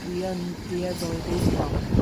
Dwi yn dueddol i deimlo